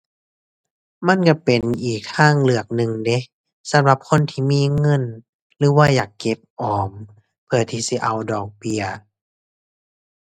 มันก็เป็นอีกทางเลือกหนึ่งเดะ สำหรับคนที่มีเงินหรือว่าอยากเก็บออม เพื่อที่สิเอาดอกเบี้ย